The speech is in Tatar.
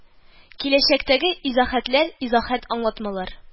Киләчәктәге изахәтләр Изахәт аңлатмалар